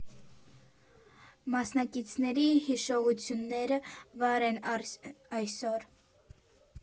Մասնակիցների հիշողությունները վառ են առ այսօր։